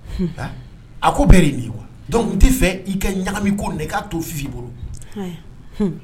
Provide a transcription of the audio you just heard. A ko bɛɛ nin wa dɔnku t'i fɛ i ka ɲagami ko i k'a t to' i bolo